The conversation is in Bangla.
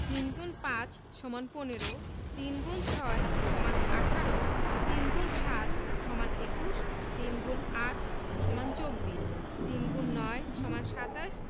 ৩ X ৫ = ১৫ ৩ x ৬ = ১৮ ৩ × ৭ = ২১ ৩ X ৮ = ২৪ ৩ X ৯ = ২৭